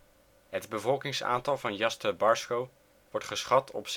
bevolkingsaantal van Jastrebarsko wordt geschat op